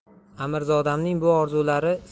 amirzodamning bu orzulari